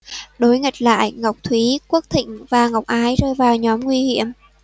đối nghịch lại ngọc thúy quốc thịnh và ngọc ái rơi vào nhóm nguy hiểm